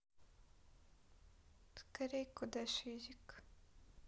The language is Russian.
скорей куда шизик